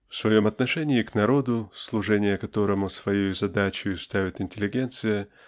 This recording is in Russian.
В своем отношении к народу служение которому своею задачею ставит интеллигенция